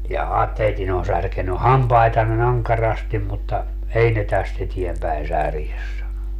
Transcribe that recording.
jaha teidän on särkenyt hampaitanne ankarasti mutta ei ne tästä eteenpäin särje sanoi